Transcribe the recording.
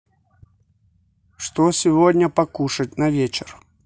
что сегодня покушать на вечер